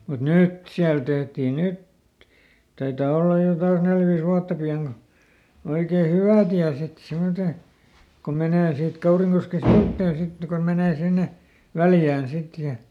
mutta nyt siellä tehtiin nyt taitaa olla jo kanssa neljä viisi vuotta pian kun oikein hyvä tie sitten semmottoon kun menee siitä Kaurinkosken sivuitse sitten kun menee sinne Väljään sitten ja